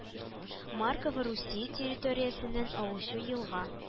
Маркова Русия территориясеннән агучы елга